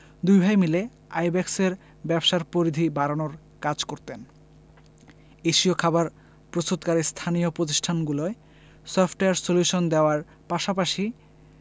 দুই ভাই মিলে আইব্যাকসের ব্যবসার পরিধি বাড়ানোর কাজ করতেন এশীয় খাবার প্রস্তুতকারী স্থানীয় প্রতিষ্ঠানগুলোয় সফটওয়্যার সলিউশন দেওয়ার পাশাপাশি